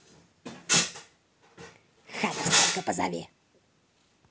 hatters только позови